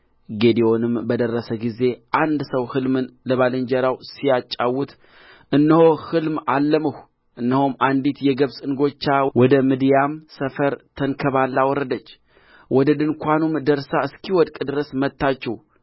ጌዴዎንም በደረሰ ጊዜ አንድ ሰው ሕልምን ለባልንጀራው ሲያጫውት እነሆ ሕልም አለምሁ እነሆም አንዲት የገብስ እንጎቻ ወደ ምድያም ሰፈር ተንከባልላ ወረደች ወደ ድንኳኑም ደርሳ እስኪወድቅ ድረስ መታችው ገለበጠችውም ድንኳኑም ተጋደመ ይል ነበር